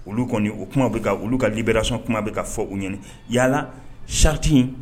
Olu kɔni o kuma bɛ olu kali bɛrason kuma bɛ ka fɔ u ɲini yalala sati in